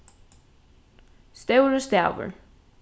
stórur stavur